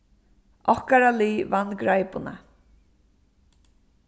okkara lið vann greipuna